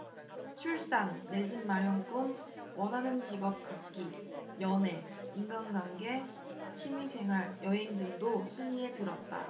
출산 내 집 마련 꿈 원하는 직업 갖기 연애 인간관계 취미생활 여행 등도 순위에 들었다